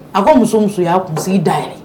A ko muso muso ya kunsiki dayɛlɛ